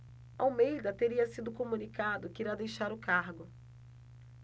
almeida teria sido comunicado que irá deixar o cargo